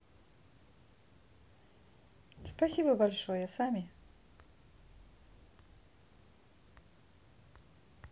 спасибо большое сами